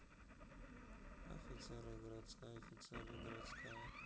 офицер и городская офицер и городская